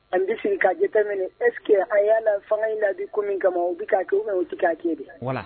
An bɛ sigi ka jateminɛ eskike a y'a la fanga in ladi ko min kama o bɛ k'a kɛ u o tɛ k'a de